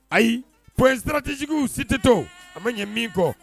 Ayi points stratégiques cités tɔ a ma ɲɛ min kɔ